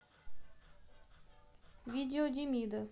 видео демида